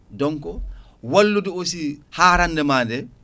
donc wallude aussi harande ma nde